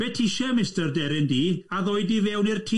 Be' ti isie, Mistar deryn du, a ddoi di fewn i'r tŷ?